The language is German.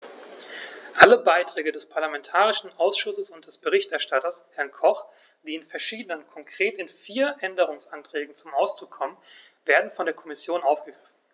Alle Beiträge des parlamentarischen Ausschusses und des Berichterstatters, Herrn Koch, die in verschiedenen, konkret in vier, Änderungsanträgen zum Ausdruck kommen, werden von der Kommission aufgegriffen.